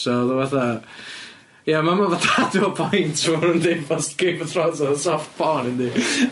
So o'dd o fatha ia, ma' mam a dad so ma' nw'n deud fas- Game of Thrones o'dd o'n soft porn yndi?